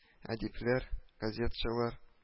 Әдипләр, газетачылар